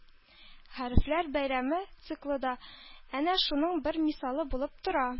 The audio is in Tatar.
«хәрефләр бәйрәме» циклы да әнә шуның бер мисалы булып тора